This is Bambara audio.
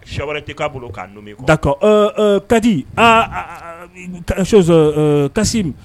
Sɛwa de k'a bolo k'a don ye da kadi aa sɔsɔ eee kasi